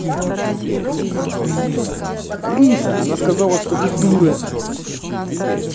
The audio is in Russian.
алиса она сказала что ты дура